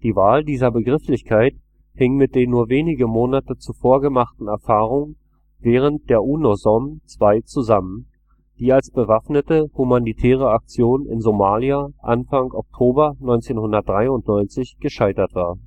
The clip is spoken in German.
Wahl dieser Begrifflichkeit hing mit den nur wenige Monate zuvor gemachten Erfahrungen während der UNOSOM II zusammen, die als bewaffnete humanitäre Aktion in Somalia Anfang Oktober 1993 gescheitert war